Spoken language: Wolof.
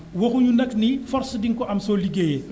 waxuénu nag ni force di nga ko am soo liggéeyee